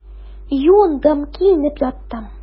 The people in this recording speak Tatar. Юындым, киенеп яттым.